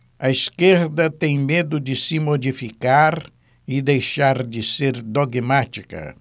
a esquerda tem medo de se modificar e deixar de ser dogmática